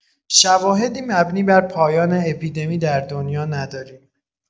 شواهدی مبنی بر پایان اپیدمی در دنیا نداریم.